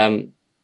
ymm